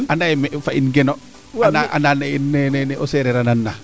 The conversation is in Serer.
ande ye fa in geno nda anda ne o sereer a nan na